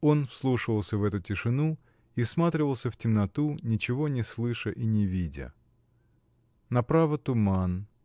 Он вслушивался в эту тишину и всматривался в темноту, ничего не слыша и не видя. Направо туман